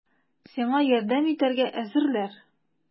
Сиңа ярдәм итәргә әзерләр!